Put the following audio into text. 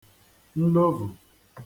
nlovù